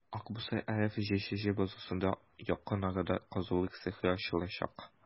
«аксубай» аф» җчҗ базасында якын арада казылык цехы ачылачак.